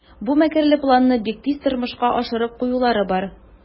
Бу мәкерле планны бик тиз тормышка ашырып куюлары бар.